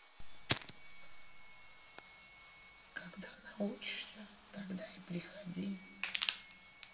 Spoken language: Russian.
когда научишься тогда и приходи